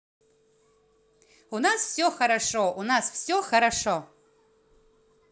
у нас все хорошо у нас все хорошо